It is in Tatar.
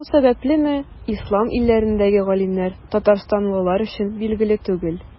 Шул сәбәплеме, Ислам илләрендәге галимнәр Татарстанлылар өчен билгеле түгел.